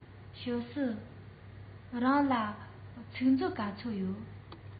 ཞའོ སུའུ རང ལ ཚིག མཛོད ག ཚོད ཡོད